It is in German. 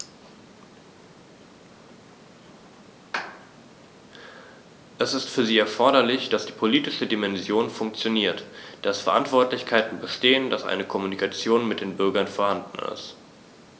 Es ist für sie erforderlich, dass die politische Dimension funktioniert, dass Verantwortlichkeiten bestehen, dass eine Kommunikation mit den Bürgern vorhanden ist.